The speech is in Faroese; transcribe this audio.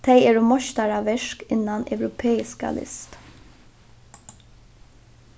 tey eru meistaraverk innan europeiska list